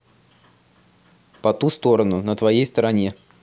по ту сторону на твоей стороне